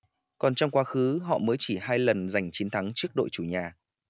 còn trong quá khứ họ mới chỉ hai lần giành chiến thắng trước đội chủ nhà